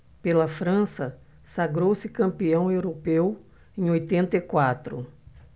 pela frança sagrou-se campeão europeu em oitenta e quatro